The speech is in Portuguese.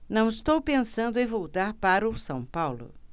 não estou pensando em voltar para o são paulo